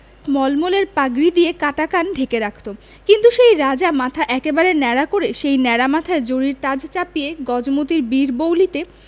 মলমলের পাগড়ি দিয়ে কাটা কান ঢেকে রাখত কিন্তু সেই রাজা মাথা একেবারে ন্যাড়া করে সেই ন্যাড়া মাথায় জরির তাজ চাপিয়ে গজমোতির বীরবৌলিতে